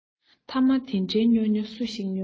ཐ མ དེ འདྲའི སྨྱོ སྨྱོ སུ ཞིག སྨྱོ